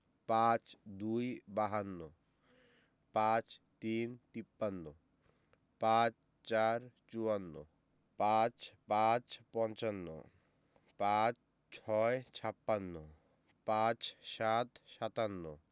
৫২ - বাহান্ন ৫৩ - তিপ্পান্ন ৫৪ - চুয়ান্ন ৫৫ – পঞ্চান্ন ৫৬ – ছাপ্পান্ন ৫৭ – সাতান্ন